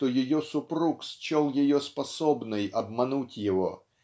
что ее супруг счел ее способной обмануть его